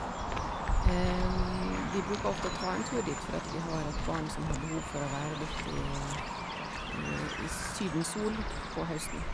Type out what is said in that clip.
Vi bruker ofte å ta en tur dit, for at vi har et barn som har behov for å være litt i i i Sydens sol på høsten.